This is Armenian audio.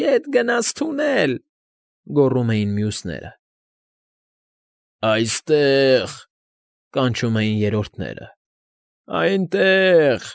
Ետ գնաց թունել,֊ գոռում էին մյուսները։ ֊ Այստեղ,֊ կանչում էին երրորդները։֊ Այնտեղ։ ֊